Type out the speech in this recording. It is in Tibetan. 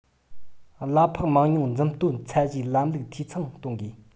གླ ཕོགས མང ཉུང མཛུབ སྟོན ཚད གཞིའི ལམ ལུགས འཐུས ཚང གཏོང དགོས